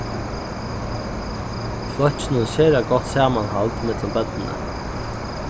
í flokkunum er sera gott samanhald millum børnini